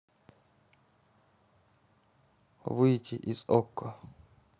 выйти из okko